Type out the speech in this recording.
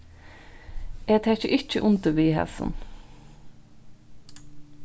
eg taki ikki undir við hasum